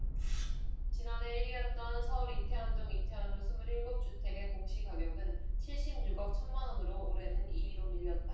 지난해 일 위였던 서울 이태원동 이태원로 스물 일곱 주택의 공시가격은 칠십 육 억 천 만원으로 올해는 이 위로 밀렸다